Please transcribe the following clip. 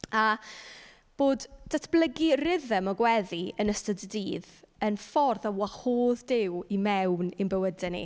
A bod datblygu rhythm y gweddi yn ystod y dydd yn ffordd a wahodd Duw i mewn i'n bywydau ni.